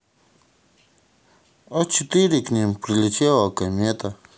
а четыре к ним прилетела комета